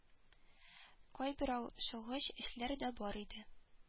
Кайбер ашыгыч эшләр дә бар иде